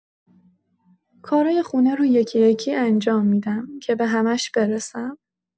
کارای خونه رو یکی‌یکی انجام می‌دم که به همه‌ش برسم.